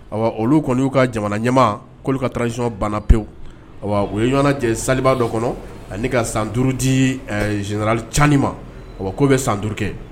Ayiwa olu kɔni y'u ka jamana ɲamama'olu ka taasiyɔn bana pewu u ye ɲɔgɔn cɛ saliba dɔ kɔnɔ ani ka san duuruuru di zinarali cani ma o k'u bɛ san duuruuru kɛ